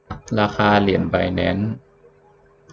ราคาเหรียญไบแนนซ์